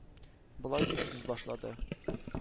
Болай дип сүз башлады: